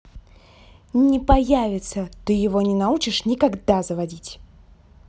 не появится ты его не научишь никогда заводить